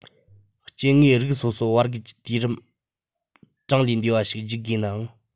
སྐྱེ དངོས རིགས སོ སོ བར བརྒལ གྱི དུས རིམ གྲངས ལས འདས པ ཞིག བརྒྱུད དགོས ནའང